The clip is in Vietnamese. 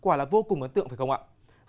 quả là vô cùng ấn tượng phải không ạ